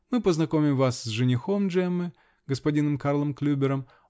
-- Мы познакомим вас с женихом Джеммы, господином Карлом Клюбером.